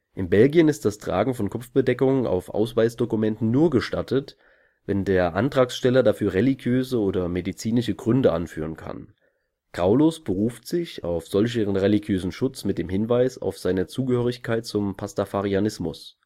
In Belgien ist das Tragen von Kopfbedeckungen auf Ausweisdokumenten nur gestattet, wenn der Antragsteller dafür religiöse oder medizinische Gründe anführen kann. Graulus beruft sich auf solchen religiösen Schutz mit dem Hinweis auf seine Zugehörigkeit zum Pastafarianismus